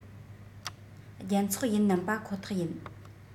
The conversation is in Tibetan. རྒྱལ ཚོགས ཡིན ནམ པ ཁོ ཐག ཡིན